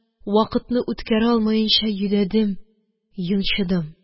Вакытны үткәрә алмаенча йөдәдем, йончыдым.